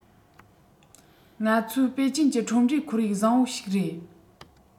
ང ཚོས པེ ཅིན གྱི ཁྲོམ རའི ཁོར ཡུག བཟང པོ ཞིག རེད